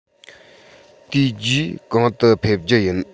དེ རྗེས གང དུ ཕེབས རྒྱུ ཡིན